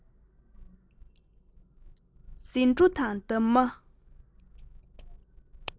ཟེའུ འབྲུ དང འདབ མ